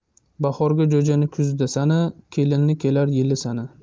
bahorgi jo'jani kuzda sana kelinni kelar yili sina